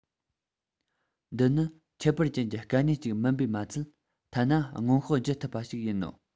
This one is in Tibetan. འདི ནི ཁྱད པར ཅན གྱི དཀའ གནད ཅིག མིན པའི མ ཚད ཐ ན སྔོན དཔག བགྱི ཐུབ པ ཞིག ཡིན ནོ